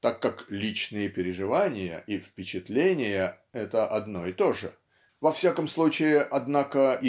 так как "личные переживания" и "впечатления" это -- одно и то же во всяком случае однако